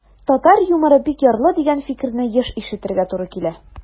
Татар юморы бик ярлы, дигән фикерне еш ишетергә туры килә.